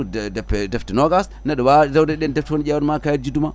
defte defte nogas neɗɗo wawa rewde e ɗe ɗon defte fo ne ƴewanma kayit juddu ma